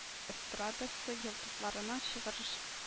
Эстрадасы йолдызларының чыгырыш